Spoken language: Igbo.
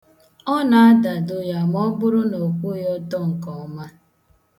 Ọ na-adado ya ma ọ bụrụ na ọ kwụghị ọtọ nke ọma.